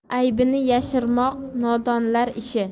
aybini yashirmoq nodonlar ishi